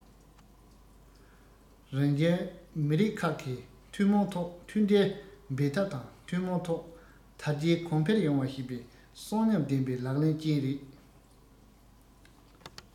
རང རྒྱལ མི རིགས ཁག གིས ཐུན མོང ཐོག མཐུན སྒྲིལ འབད འཐབ དང ཐུན མོང ཐོག དར རྒྱས གོང འཕེལ ཡོང བ བྱེད པའི གསོན ཉམས ལྡན པའི ལག ལེན བཅས རེད